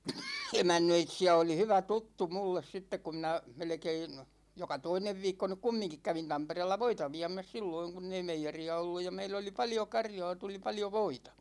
emännöitsijä oli hyvä tuttu minulle sitten kun minä melkein joka toinen viikko nyt kumminkin kävin Tampereella voita viemässä silloin kun ei meijeriä ollut ja meillä oli paljon karjaa tuli paljon voita